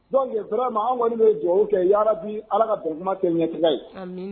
Donc vraiment anw kɔni bɛ dugawu kɛ yaa rabbi alah ka bɛnɛkuma kɛ ɲɛtagɛa ye, amin.